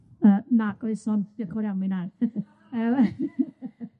Yy, nag oes ond, diolch yn fawr iawn, mi wnâi. Yy we-